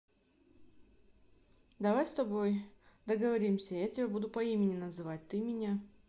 давай с тобой договоримся я тебя буду по имени назвать ты меня